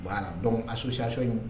Voilà donc association in